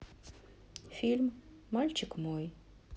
фильм мальчик мой